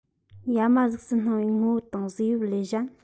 ཡ མ གཟུགས སུ སྣང བའི ངོ བོ དང གཟུགས དབྱིབས ལས གཞན